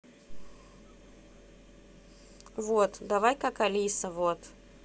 вот давай как алиса вот